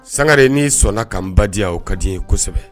Sangare n' sɔnna ka ba diya o ka di ye kosɛbɛ